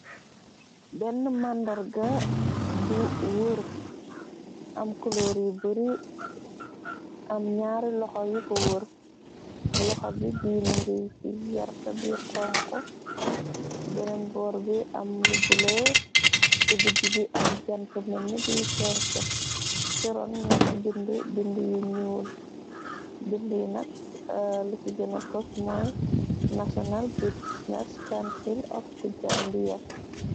Benne màndarga bu wër, am kuloor yu bari, am ñaari loxo yu ko wër, loxo bi, bi mënge werta, bi xonxu, benneen boor bi am lu bule, ci digg bi am jante bu melni bi fenk, ci ron nyun ci binde-binde yu nyuul, binde yi nakk lu ci gëna fos mooy, National Business Council of di Gambiya.